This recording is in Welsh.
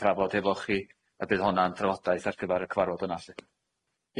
thrafod hefo chi a bydd honna'n drafodaeth ar gyfar y cyfarfod yna lly.